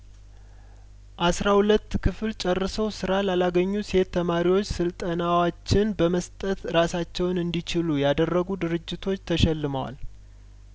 አስራ ሁለት ክፍል ጨርሰው ስራ ላላገኙ ሴት ተማሪዎች ስልጠናዎችን በመስጠት እራሳቸውን እንዲችሉ ያደረጉ ድርጅቶች ተሸልመዋል